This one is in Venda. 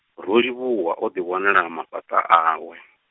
Rolivhuwa odi wanela mafhaṱa awe.